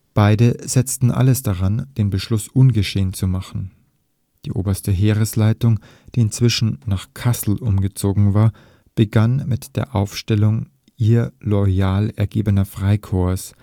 Beide setzten alles daran, den Beschluss ungeschehen zu machen. Die Oberste Heeresleitung, die inzwischen nach Kassel umgezogen war, begann mit der Aufstellung ihr loyal ergebener Freikorps